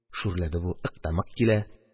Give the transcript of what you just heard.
Шүрләде бу, ык та мык килә.